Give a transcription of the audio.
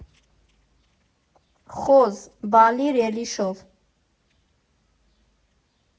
Խոզ՝ բալի ռելիշով։